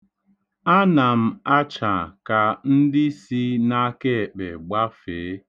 Ana m acha ka ndị si n'akeekpe gbafee.